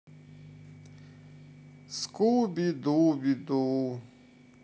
скуби дуби ду